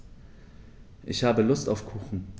Ich habe Lust auf Kuchen.